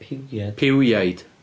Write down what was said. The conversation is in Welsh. Piwiaid?... Piwiaid.